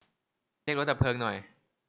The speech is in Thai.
เรียกรถดับเพลิงหน่อย